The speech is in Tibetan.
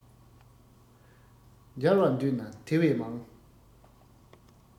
འབྱལ བར འདོད རྣམས དེ བས མང